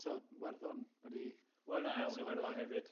So, Iwerddon wedi… Wel, na, ewn i Iwerddon hefyd.